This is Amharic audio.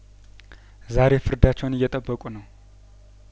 ዛሬ ፍርዳቸውን እየጠበቁ ነው